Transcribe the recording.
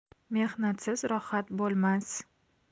mehnatsiz rohat bo'lmas